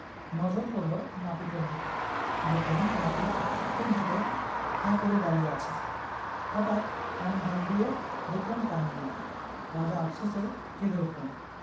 নজর পড়ল নাপিতের দিকে দেখলেন নাপিত ক্ষুর হাতে হাঁ করে দাড়িয়ে আছে হঠাৎ কানে হাত দিয়ে দেখলেন কান নেই রাজা আপসোসে কেঁদে উঠলেন